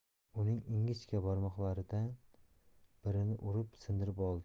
uning ingichka barmoqlaridan birini urib sindirib oldi